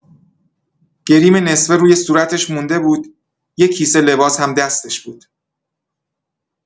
گریم نصفه روی صورتش مونده بود، یه کیسه لباس هم دستش بود.